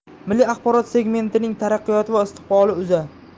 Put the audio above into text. milliy axborot segmentining taraqqiyoti va istiqboli uza